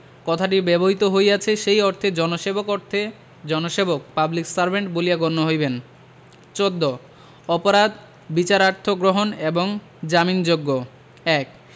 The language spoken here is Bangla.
কথাটি ব্যবহৃত হইয়াছে সেই অর্থে জনসেবক অর্থে জনসেবক পাবলিক সার্ভেন্ট বলিয়া গণ্য হইবেন ১৪ অপরাধ বিচারার্থ গ্রহণ এবং জামিনযোগ্য ১